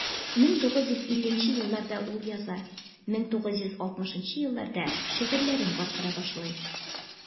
1950 елларда ул яза, 1960 елларда шигырьләрен бастыра башлый.